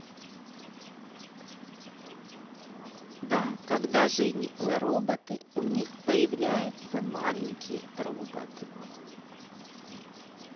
да когда женится роботы у них появляется маленький робот